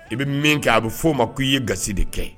I be min kɛ a be f'o ma k'i ye gasi de kɛ